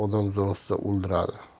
odam zo'riqsa o'ldiradi